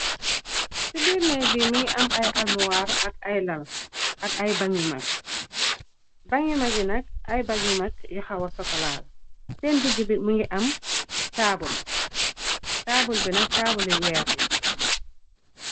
Ci liir nekk bi mi ngi am ay almuwaar, ak ay banyu mag, bani magi nag ay ban yu mag yu xawa sokolaal, sendiggi mingi am taabul, bi nag taabuli weer la.